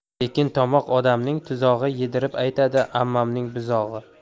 tekin tomoq odamning tuzog'i yedirib aytadi ammamning buzog'i